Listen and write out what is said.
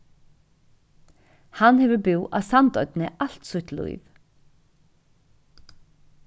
hann hevur búð á sandoynni alt sítt lív